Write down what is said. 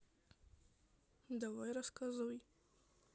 давай рассказывай